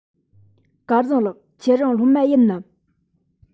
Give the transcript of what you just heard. སྐལ བཟང ལགས ཁྱེད རང སློབ མ ཡིན ནམ